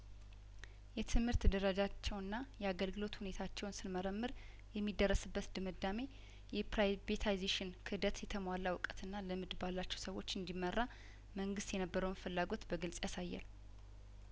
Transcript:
የትምህርት ደረጃቸውና የአገልግሎት ሁኔታቸውን ስንመረምር የሚደረስ በት ድምዳሜ የፕራይቬታይዜሽን ክህደት የተሟላ እውቀትና ልምድ ባላቸው ሰዎች እንዲመራ መንግስት የነበረውን ፍላጐት በግልጽ ያሳያል